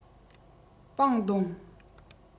པང བརྡུང